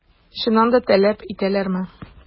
Чыннан да таләп итәләрме?